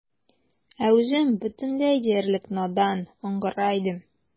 Ә үзем бөтенләй диярлек надан, аңгыра идем.